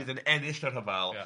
fydd yn ennill y rhyfel... Ie.